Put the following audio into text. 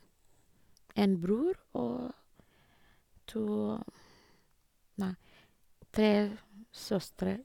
En bror og to nei tre søstre.